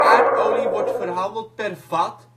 Aardolie wordt verhandeld per vat